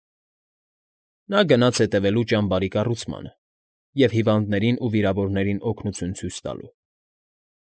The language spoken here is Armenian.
Նա գնաց հեռևելու ճամբարի կառուցմանը և հիվանդներին ու վիրավորներին օգնություն ցույց տալու։